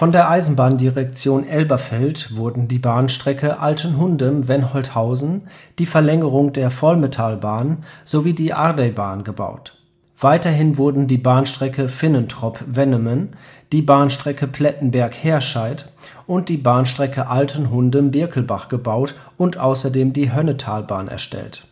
der Eisenbahndirektion Elberfeld wurden die Bahnstrecke Altenhundem – Wenholthausen, die Verlängerung der Volmetalbahn sowie die Ardey-Bahn gebaut. Weiterhin wurden die Bahnstrecke Finnentrop – Wennemen, die Bahnstrecke Plettenberg – Herscheid und die Bahnstrecke Altenhundem – Birkelbach gebaut und außerdem die Hönnetalbahn erstellt